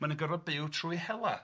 maen yn gorfod byw trwy hela.